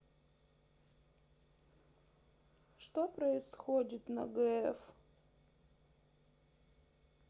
что происходит на гф